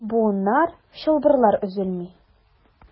Буыннар, чылбырлар өзелми.